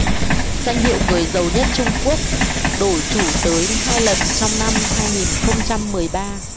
danh hiệu người giàu nhất trung quốc đổi chủ tới hai lần trong năm hai nghìn không trăm mười ba